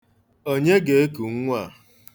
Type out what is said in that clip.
Onye ga-eku nwa a?